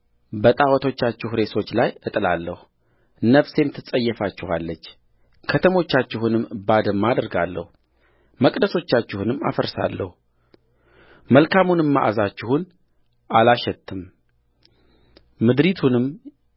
በጣዖቶቻችሁ ሬሳዎች ላይ እጥላለሁ ነፍሴም ትጸየፋችኋለችከተሞቻችሁንም ባድማ አደርጋለሁ መቅደሶቻችሁንም አፈርሳለሁ መልካሙንም መዓዛችሁን አላሸትትምምድሪቱንም